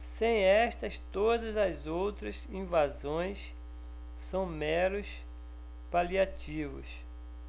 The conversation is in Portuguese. sem estas todas as outras invasões são meros paliativos